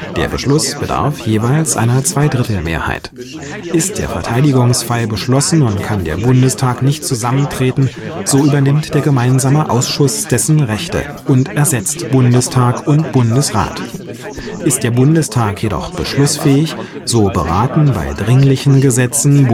Der Beschluss bedarf jeweils einer Zweidrittelmehrheit. Ist der Verteidigungsfall beschlossen und kann der Bundestag nicht zusammentreten, so übernimmt der Gemeinsame Ausschuss dessen Rechte und ersetzt Bundestag und Bundesrat. Ist der Bundestag jedoch beschlussfähig, so beraten bei dringlichen Gesetzen